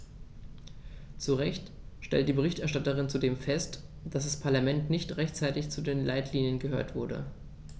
Zu Recht stellt die Berichterstatterin zudem fest, dass das Parlament nicht rechtzeitig zu den Leitlinien gehört wurde.